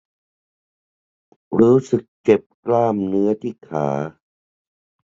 รู้สึกเจ็บกล้ามเนื้อที่ขา